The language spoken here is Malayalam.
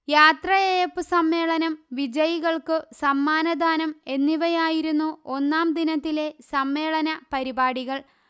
യാത്രയയപ്പു സമ്മേളനം വിജയികൾക്കു സമ്മാനദാനം എന്നിവയായിരുന്നു ഒന്നാം ദിനത്തിലെ സമ്മേളന പരിപാടികൾ